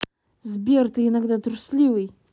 сбер ты иногда трусливый